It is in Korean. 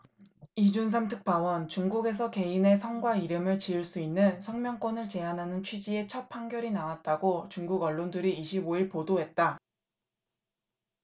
이준삼 특파원 중국에서 개인의 성과 이름을 지을 수 있는 성명권을 제한하는 취지의 첫 판결이 나왔다고 중국언론들이 이십 오 일 보도했다